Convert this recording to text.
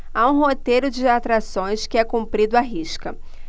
há um roteiro de atrações que é cumprido à risca